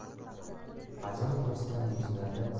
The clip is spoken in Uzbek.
ajin bosgan yuzlari